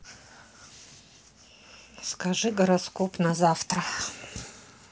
скажи гороскоп на завтра